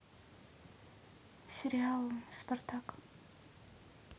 сериал спартак